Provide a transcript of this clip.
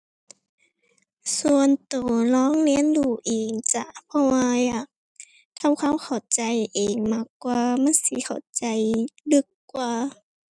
ส่วนตัวลองเรียนรู้เองจ้า เพราะว่าอยากทำความเข้าใจเองมากกว่า มันสิเข้าใจลึกกว่า